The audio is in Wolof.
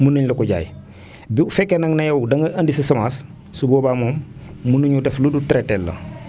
mun nañ la ko jaay bu fekkee nag ne yow da nga indi sa semence su boobaa moom mënuñu def lu dul traité teel la